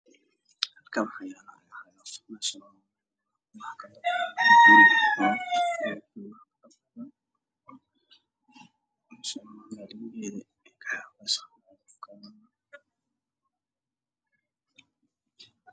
Meeshaan waxaa ka muuqata waxaa ka dambeeyay guri sare ay cagafta waxay dhulka ka xaqisa geedo midabkeedu cagacagafta waa jaalo